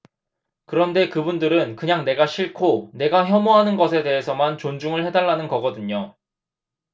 그런데 그분들은 그냥 내가 싫고 내가 혐오하는 것에 대해서만 존중을 해 달라는 거거든요